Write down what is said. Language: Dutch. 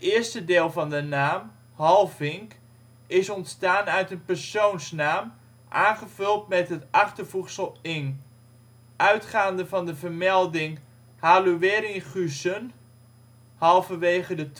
eerste deel van de naam, Halvink -, is ontstaan uit een persoonsnaam, aangevuld met het achtervoegsel - ing. Uitgaande van de vermelding Haluerinchusen halverwege de